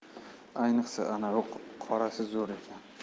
ayniqsa anavi qorasi zo'r ekan